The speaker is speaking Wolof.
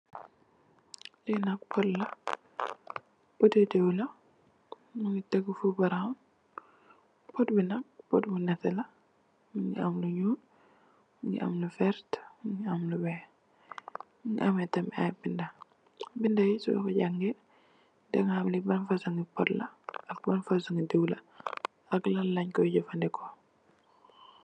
Li nak pot la potti dew la Mungi tekgu fu brown pot bi nak pot bu neteh la Mungi am nyuul Mungi am lu verteh Mungi am lu weih Mungi ameh tam i binda bindai soko jangeh dinga ham li ban fosumi pot la ak ban fosumi dew la ak lan lenj ko jefandeko.